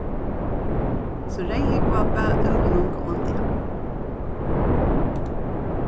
so reyðhúgva bað úlvinum góðan dag